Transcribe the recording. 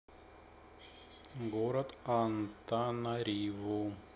город антанариву